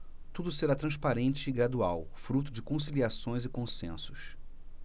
tudo será transparente e gradual fruto de conciliações e consensos